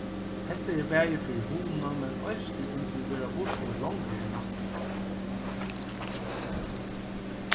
hetta er bæði fyri hugna men eisini um tit vera burtur longri enn ætlað